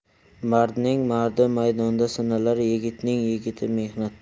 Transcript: mardning mardi maydonda sinalar yigitning yigiti mehnatda